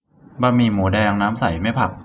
บะหมี่หมูแดงน้ำใสไม่ผัก